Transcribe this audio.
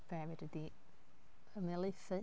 Be, fedri 'di ymhelaethu?